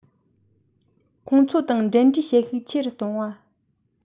ཁོང ཚོ དང འབྲེལ འདྲིས བྱེད ཤུགས ཆེ རུ གཏོང བ